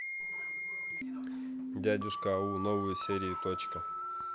дядюшка ау новые серии точка